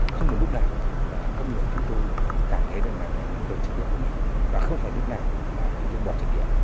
không một lúc nào là các lực lượng chúng tôi cảm thấy rằng là là làm rơi trách nhiệm của mình và không phải lúc nào là chúng tôi bỏ trận địa